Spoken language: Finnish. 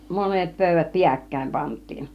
monet pöydät pääkkäin pantiin